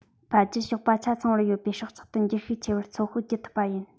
ཕལ ཆེར གཤོག པ ཆ ཚང བར ཡོད པའི སྲོག ཆགས དུ འགྱུར ཤས ཆེ བར ཚོད དཔག བགྱི ཐུབ པ ཡིན